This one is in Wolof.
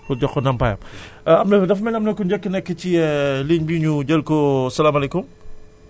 pour jox ko ndàmpaayam am nañu dafa mel ne am na ku njëkk nekk ci ligne bi ñu jël ko salaamaaleykum